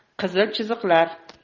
qizil chiziqlar